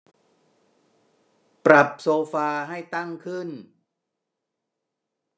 ปรับโซฟาให้ตั้งขึ้น